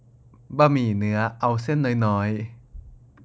บะหมี่เนื้อเอาเส้นน้อยๆ